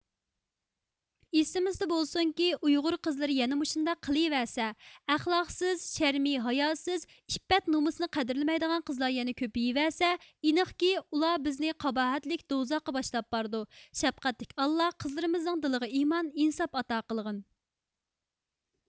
ئېسىمىزدە بولسۇنكى ئۇيغۇر قىزلىرى يەنە مۇشۇنداق قلىۋەرسە ئەخلاقسز شەرمى ھاياسۇز ئىپپەت نۇمۇسنى قەدىرلىمەيدىغان قىزلار يەنە كۆپىيۋەرسە ئىنقىكى ئۇلار بىزنى قاباھەتلىك دوزاخقا باشلاپ بارىدۇ شەپقەتلىك ئاللا قىزلىرىمزنىڭ دىلىغا ئىمان ئىنساپ ئاتا قىلغىن